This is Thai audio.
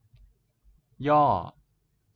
ย่อ